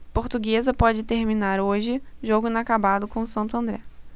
portuguesa pode terminar hoje jogo inacabado com o santo andré